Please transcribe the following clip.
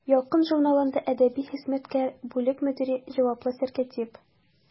«ялкын» журналында әдәби хезмәткәр, бүлек мөдире, җаваплы сәркәтиб.